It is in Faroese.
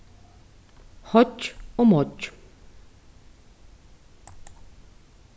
hoyggj og moyggj